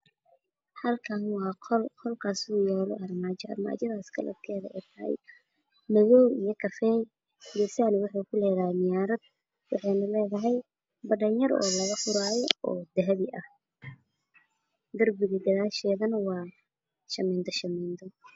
Halkani waa qol qolkasi uyalo armajo kalarkedu ey tahy madoow iyo kafeey gesahana wexey ku leedahay miyarad wexeyna ledahay badhan yar oo laga furaayo oo dahabi ah derbiga gadeeshana waa shamindo shamindo